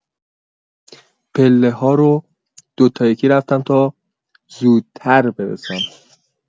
پله‌ها رو دو تا یکی رفتم تا زودتر برسم.